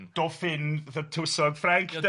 So, Dolphin the Twosog Ffrainc de.